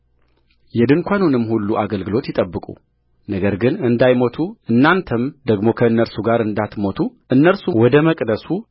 የድንኳኑንም ሁሉ አገግሎት ይጠብቁ ነገር ግን እንዳይሞቱ እናንተም ደግሞ ከእነርሱ ጋር እንዳትሞቱ እነርሱ ወደ መቅደሱ